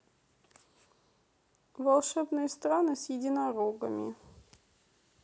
волшебные страны с единорогами